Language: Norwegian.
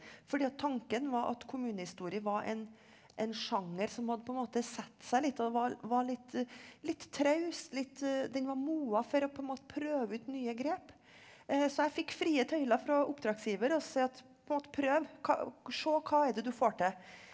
for det at tanken var at kommunehistorie var en en sjanger som hadde på en måte satt seg litt og var var litt litt traust litt den var moden for å på en måte prøve ut nye grep så jeg fikk frie tøyler fra oppdragsgiver og si at på en måte prøv se hva er det du får til.